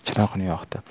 chiroqni yoqdi